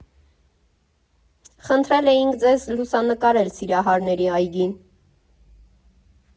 Խնդրել էինք ձեզ լուսանկարել Սիրահարների այգին.